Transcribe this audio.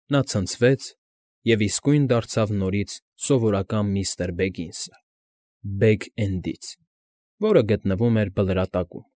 Նա ցնցվեց և իսկույն դարձավ նորից սովորական միստր Բեգինսը, Բեգ֊Էնդից, որը գտնվում էր Բլրատակում։